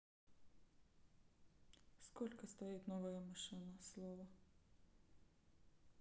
сколько стоит новая машина слово